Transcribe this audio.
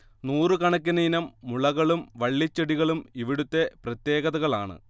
നൂറുകണക്കിന് ഇനം മുളകളും വളളിച്ചെടികളും ഇവിടുത്തെ പ്രത്യേകതകളാണ്